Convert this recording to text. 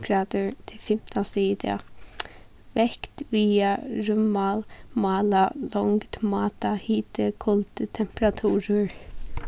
gradir tað eru fimtan stig í dag vekt viga rúmmál mála longd máta hiti kuldi temperaturur